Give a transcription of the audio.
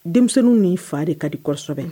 Denmisɛnnin ni fa de ka di kɔ kosɛbɛ